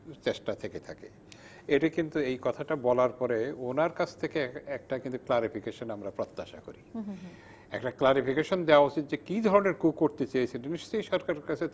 চেষ্টা থেকে থাকে এটি কিন্তু এই কথাটা বলার পরে উনার কাছ থেকে একটা কিন্তু ক্লারিফিকেশন আমরা প্রত্যাশা করি হুম হুম হুম একটা ক্লারিফিকেশন দেয়া উচিত যে কি ধরনের ক্যু করতে চেয়েছেন নিশ্চয়ই সরকারের কাছে